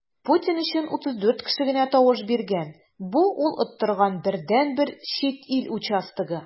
Путин өчен 34 кеше генә тавыш биргән - бу ул оттырган бердәнбер чит ил участогы.